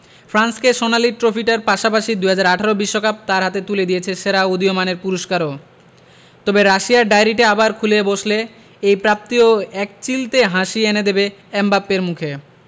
ফ্রান্সকে সোনালি ট্রফিটার পাশাপাশি ২০১৮ বিশ্বকাপ তাঁর হাতে তুলে দিয়েছে সেরা উদীয়মানের পুরস্কারও তবে রাশিয়ার ডায়েরিটা আবার খুলে বসলে এই প্রাপ্তি ও একচিলতে হাসি এনে দেবে এমবাপ্পের মুখে